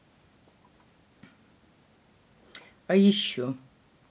а еще